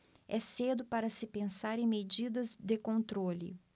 é cedo para se pensar em medidas de controle